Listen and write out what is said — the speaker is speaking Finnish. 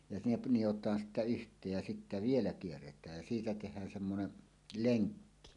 ja ne nidotaan sitten yhteen ja sitten vielä kierretään ja siitä tehdään semmoinen lenkki